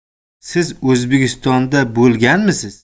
siz o'zbekistonda bo'lganmisiz